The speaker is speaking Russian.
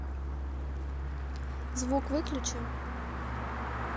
звук выключи